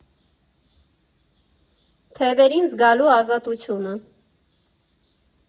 Թևերին զգալու ազատությունը։